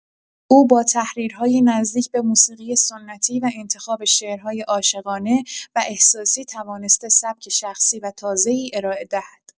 او با تحریرهای نزدیک به موسیقی سنتی و انتخاب شعرهای عاشقانه و احساسی توانسته سبک شخصی و تازه‌ای ارائه دهد.